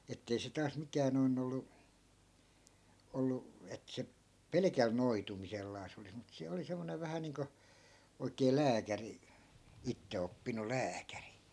että ei se taas mikään noin ollut ollut että se pelkällä noitumisellaan olisi mutta se oli semmoinen vähän niin kuin oikea lääkäri itseoppinut lääkäri